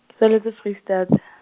ke tsaletswe Vrystaat.